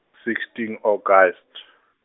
sixteen August.